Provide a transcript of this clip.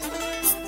A